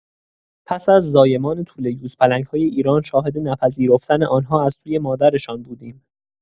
پس‌از زایمان توله یوزپلنگ‌های ایران، شاهد نپذیرفتن آن‌ها از سوی مادرشان بودیم.